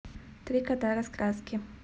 три кота раскраски